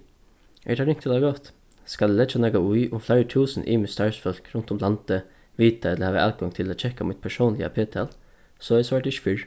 er tað ringt ella gott skal eg leggja nakað í um fleiri túsund ymisk starvsfólk runt um landið vita ella hava atgongd til at kekka mítt persónliga p-tal soleiðis var tað ikki fyrr